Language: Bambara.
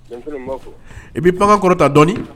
I bɛ bamakɔrɔta dɔɔnin